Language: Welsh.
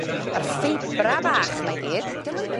Ma'r ffeibra bach 'ma i gyd 'di o'm yn